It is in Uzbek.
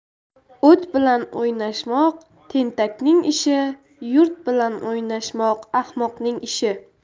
o't bilan o'ynashmoq tentakning ishi yurt bilan o'ynashmoq ahmoqning ishi